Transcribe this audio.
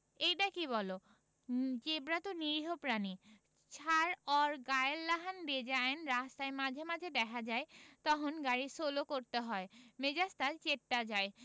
এইডা কি বললা জেব্রা তো নিরীহ প্রাণী.. ছার অর গায়ের লাহান ডেজাইন রাস্তায় মাঝে মাঝে দেহা যায় তহন গাড়ি সোলো করতে হয় মেজাজটাই চেইত্তা যায়